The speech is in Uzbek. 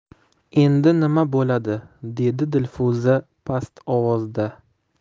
endi nima buladi dedi dilfuza past ovozda